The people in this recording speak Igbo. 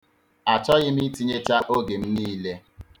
Achọghị m itinyecha oge m niile.